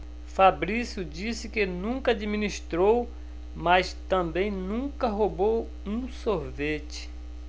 fabrício disse que nunca administrou mas também nunca roubou um sorvete